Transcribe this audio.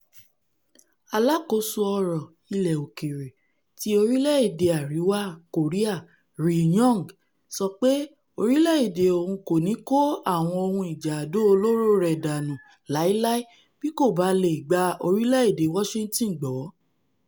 Aláàkóso Ọ̀rọ̀ Ilẹ̀ Òkèèrè ti orílẹ̀-èdè Àrìwá Kòríà Ri Yong sọ pé orílẹ̀-èdè òun kòni kó àwọn ohun ìjà àdó olóro rẹ̀ dánù láilái bí kòbá leè gba orílẹ̀-èdè Washingtọn gbọ́.